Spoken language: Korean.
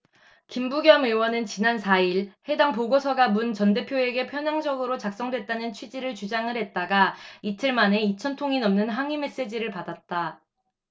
김부겸 의원은 지난 사 일 해당 보고서가 문 전 대표에게 편향적으로 작성됐다는 취지의 주장을 했다가 이틀 만에 이천 통이 넘는 항의 메시지를 받았다